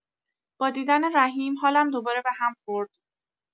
با دیدن رحیم حالم دوباره بهم خورد.